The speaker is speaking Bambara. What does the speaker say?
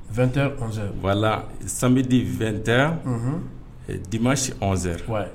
2 tɛ wala sanbi di2tanya di masi z